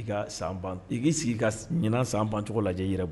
I ka san ban, i k'i sigi ka ɲina san bancogo lajɛ yɛrɛ